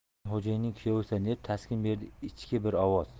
sen xo'jayinning kuyovisan deb taskin berdi ichki bir ovoz